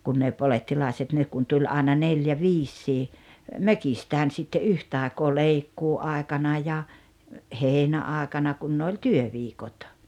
kun ne polettilaiset ne kun tuli aina neljä viisikin mökistään sitten yhtä aikaa leikkuuaikana ja heinäaikana kun ne oli työviikot